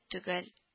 Төгәл